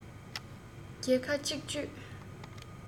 བརྒྱ ཁ གཅིག གཅོད